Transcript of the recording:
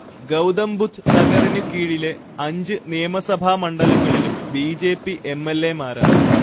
ഗൗതംബുദ്ധ് നഗറിനു കീഴിലെ അഞ്ച് നിയമസഭാ മണ്ഡലങ്ങളിലും B. J. P M. L. A മാരാണ്